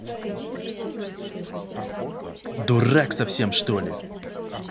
дурак совсем что ли